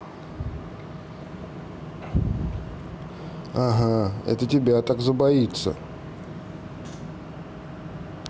ага это тебя так забоится